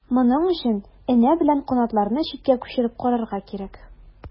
Моның өчен энә белән канатларны читкә күчереп карарга кирәк.